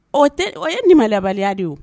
Ɔ tɛ o ye limaniyabaliya de ye o.